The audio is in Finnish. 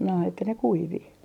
no että ne kuivui